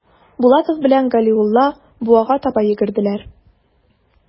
Булатов белән Галиулла буага таба йөгерделәр.